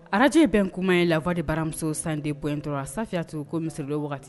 Arajjɛ in bɛn kuma ye lawa de baramuso san dep in dɔrɔn a saya to ko misi wagati